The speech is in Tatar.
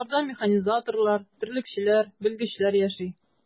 Аларда механизаторлар, терлекчеләр, белгечләр яши.